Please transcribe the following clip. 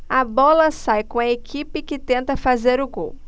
a bola sai com a equipe que tenta fazer o gol